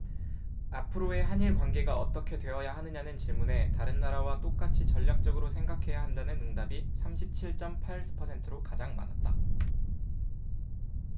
앞으로의 한 일 관계가 어떻게 되어야 하느냐는 질문에 다른 나라와 똑같이 전략적으로 생각해야 한다는 응답이 삼십 칠 쩜 팔 퍼센트로 가장 많았다